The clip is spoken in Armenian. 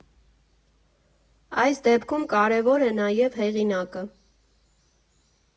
Այս դեպքում կարևոր է նաև հեղինակը.